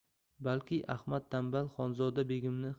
balki ahmad tanbal xonzoda begimni